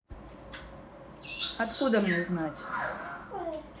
откуда мне знать